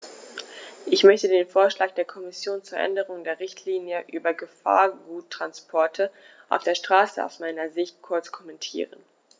Ich möchte den Vorschlag der Kommission zur Änderung der Richtlinie über Gefahrguttransporte auf der Straße aus meiner Sicht kurz kommentieren.